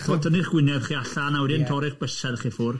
Chi 'bo tynnu'ch winedd chi allan a wedyn torri'ch bysedd chi ffwr.